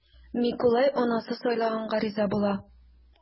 Микулай анасы сайлаганга риза була.